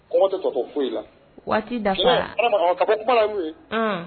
Tɛ foyi waati ye